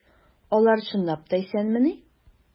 Алар чынлап та исәнмени?